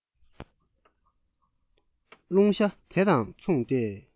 རླུང ཤ དེ དང མཚུངས ཏེ